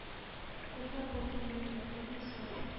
Күпме булды минем якын дуслар,